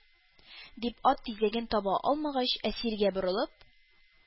- дип, ат тизәген таба алмагач, әсиргә борылып,